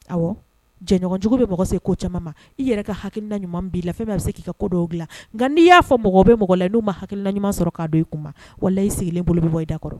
Awɔ jɛɲɔgɔnjugu bɛ mɔgɔ se ko caman mais i yɛrɛ ka halina ɲuman bi la fɛn bɛ se ka ko dɔ bila nga ni ya fɔ mɔgɔ bɛ mɔgɔ la nu ma hakilila ɲuman sɔrɔ ka don i kuma walayi i sigilen bolo bɛ bɔ i da kɔrɔ